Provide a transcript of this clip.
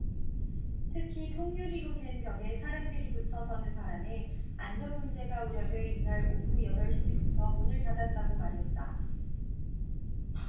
특히 통유리로 된 벽에 사람들이 붙어 서는 바람에 안전 문제가 우려돼 이날 오후 여덟 시부터 문을 닫았다고 말했다